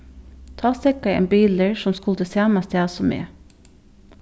tá steðgaði ein bilur sum skuldi sama stað sum eg